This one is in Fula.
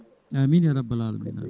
amine ya rabbal alamina